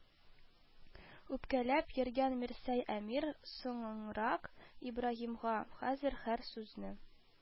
Үпкәләп йөргән мирсәй әмир соңыннанрак ибраһимга: «хәзер һәр сүзне